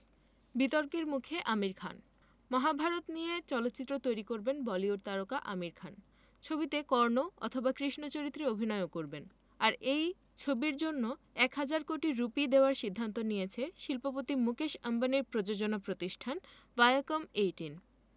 বিতর্কের মুখে আমির খান মহাভারত নিয়ে চলচ্চিত্র তৈরি করবেন বলিউড তারকা আমির খান ছবিতে কর্ণ অথবা কৃষ্ণ চরিত্রে অভিনয়ও করবেন আর এই ছবির জন্য এক হাজার কোটি রুপি দেওয়ার সিদ্ধান্ত নিয়েছে শিল্পপতি মুকেশ আম্বানির প্রযোজনা প্রতিষ্ঠান ভায়াকম এইটিন